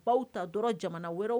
Baw ta dɔrɔn jamana wɛrɛ